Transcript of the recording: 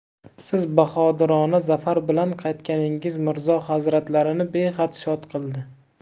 siz bahodirona zafar bilan qaytganingiz mirzo hazratlarini behad shod qildi